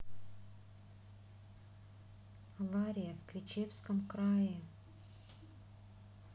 авария в кричевском крае